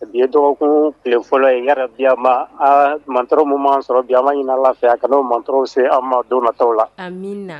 Bi ye dɔgɔkun tile fɔlɔ ye yarabi Alama mantɔrɔ min ma sɔrɔ bi a b'a ɲini Ala fɛ a ka na o mantɔrɔ se ma don nata la, amina